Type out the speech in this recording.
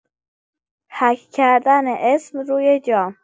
حک کردن اسم روی جام